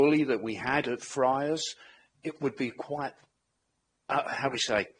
bully that we had at Fryars it would be quite a- how do we say?